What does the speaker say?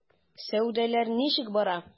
Сәүдәләр ничек бара?